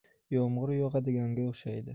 yomg'ir yog'adiganga o'xshaydi